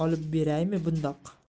olib beraylik bundoq